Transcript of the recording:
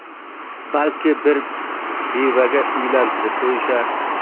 balki bir bevaga uylantirib qo'yishar